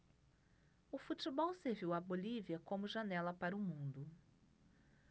o futebol serviu à bolívia como janela para o mundo